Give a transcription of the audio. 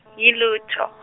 yilutho.